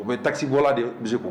U bɛ tasibɔla de bin